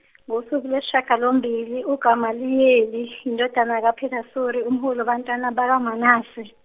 ngosuku lwesishiyagalombili uGamaliyeli, indodana kaPedasuri umholi wabantwana bakwaManase.